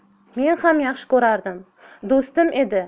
men ham yaxshi ko'rardim do'stim edi